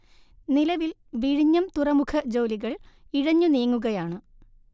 നിലവിൽ വിഴിഞ്ഞം തുറമുഖ ജോലികൾ ഇഴഞ്ഞു നീങ്ങുകയാണ്